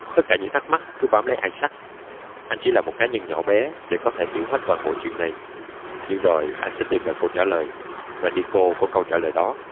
tất cả những thắc mắc cứ bám lấy isaac anh chỉ là một cá nhân nhỏ bé để có thể hiểu hết toàn bộ chuyện này nhưng rồi anh sẽ tìm ra câu trả lời và nicole có câu trả lời đó